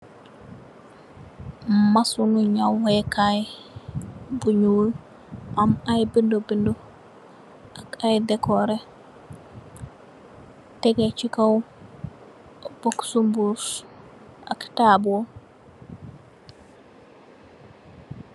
Macine na ngawe kai bu nglu am ai decore tege ci kaw pokusi mbos ak table.